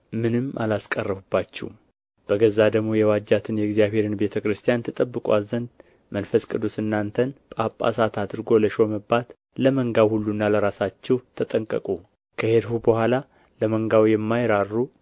ምንም አላስቀረሁባችሁም በገዛ ደሙ የዋጃትን የእግዚአብሔርን ቤተ ክርስቲያን ትጠብቁአት ዘንድ መንፈስ ቅዱስ እናንተን ጳጳሳት አድርጎ ለሾመባት ለመንጋው ሁሉና ለራሳችሁ ተጠንቀቁ ከሄድሁ በኋላ ለመንጋው የማይራሩ